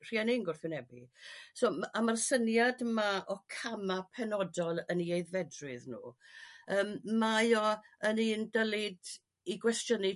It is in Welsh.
rhieni'n gwrthwynbu. So... M- a ma'r syniad yma o cama' penodol yn eu aeddfedrwydd nhw ym mae o yn un dylid 'i gwestiynu